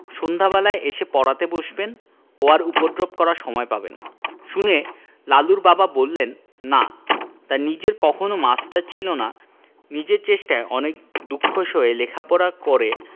সন্ধ্যেবেলায় এসে পড়াতে বসবেন ও আর উপদ্রব করবার সময় পাবে না শুনে লালুর বাবা বললেন না তাঁর নিজের কখনো মাস্টার ছিল না নিজের চেষ্টায় অনেক দুঃখ সয়ে লেখাপড়া করে